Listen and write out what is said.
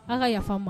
An ka yafa ma